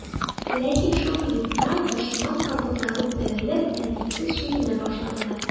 Ләкин шул минутта дошман солдатлары күтәрелеп, тәртипсез чигенә башладылар.